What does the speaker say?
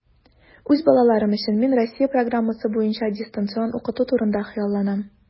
Үз балаларым өчен мин Россия программасы буенча дистанцион укыту турында хыялланам.